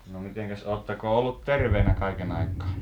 no mitenkäs oletteko ollut terveenä kaiken aikaa